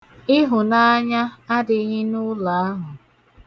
Ịhụnaanya adịghị n'ụlọ ahụ.